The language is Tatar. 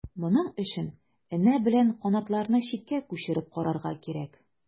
Моның өчен энә белән канатларны читкә күчереп карарга кирәк.